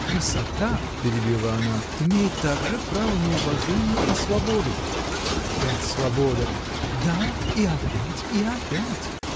— Красота, — перебила она, — имеет также право на уважение и свободу. — Опять свобода! — Да, и опять, и опять!